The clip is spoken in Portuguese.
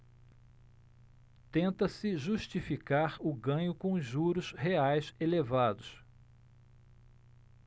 tenta-se justificar o ganho com os juros reais elevados